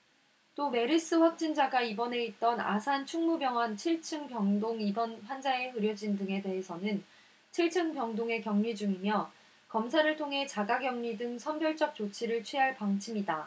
또 메르스 확진자가 입원해 있던 아산충무병원 칠 층 병동 입원 환자와 의료진 등에 대해서는 칠 층 병동에 격리중이며 검사를 통해 자가 격리 등 선별적 조치를 취할 방침이다